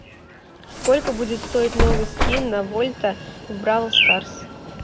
сколько будет стоить новый скин на volta в brawl stars